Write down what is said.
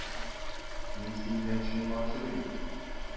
Мин синнән чынлап сорыйм.